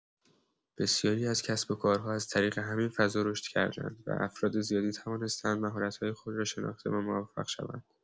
بسیاری از کسب‌وکارها از طریق همین فضا رشد کرده‌اند و افراد زیادی توانسته‌اند مهارت‌های خود را شناخته و موفق شوند.